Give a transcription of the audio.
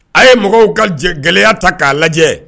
A' ye mɔgɔw ka gɛlɛyaya ta k'a lajɛ